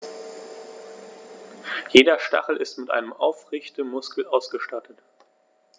Jeder Stachel ist mit einem Aufrichtemuskel ausgestattet.